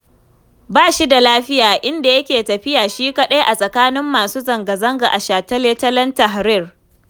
Ba shi da lafiya, inda yake tafiya shi kaɗai a tsakanin masu zangazanga a shataletalen Tahrir.